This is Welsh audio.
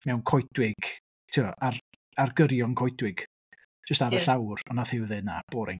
Mewn coedwig, tibod ar ar gyrion coedwig, jyst ar... ia. ...y llawr, ond wnaeth Huw ddeud "na boring".